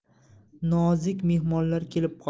nozik mehmonlar kelib qoldi